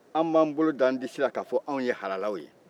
an b'an bolo d'an disi la k'a fɔ anw ye halalaw ye